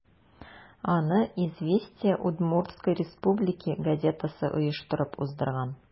Аны «Известия Удмуртсткой Республики» газетасы оештырып уздырган.